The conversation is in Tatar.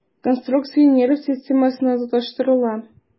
Конструкция нерв системасына тоташтырыла.